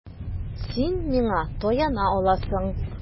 Син миңа таяна аласың.